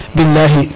bilahi